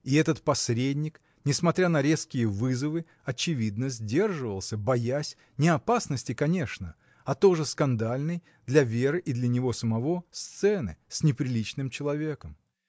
И этот посредник, несмотря на резкие вызовы, очевидно, сдерживался, боясь, не опасности конечно, а тоже скандальной, для Веры и для него самого, сцены — с неприличным человеком.